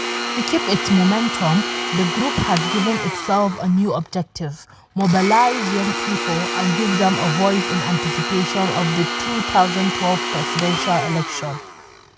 To keep its momentum, the group has given itself a new objective: mobilise young people and give them a voice in anticipation of the 2012 presidential election.